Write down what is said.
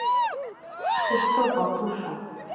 ты что папуша